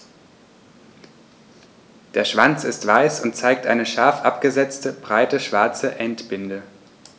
Der Schwanz ist weiß und zeigt eine scharf abgesetzte, breite schwarze Endbinde.